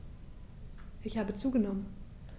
Ich habe zugenommen.